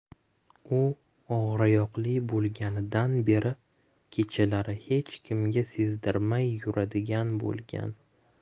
u og'iroyoqli bo'lganidan beri kechalari hech kimga sezdirmay yuradigan bo'lgan